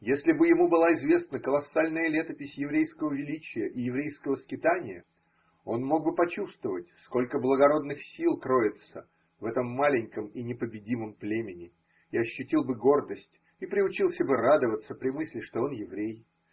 Если бы ему была известна колоссальная летопись еврейского величия и еврейского скитания, он мог бы почувствовать, сколько благородных сил кроется в этом маленьком и непобедимом племени, и ощутил бы гордость, и приучился бы радоваться при мысли, что он еврей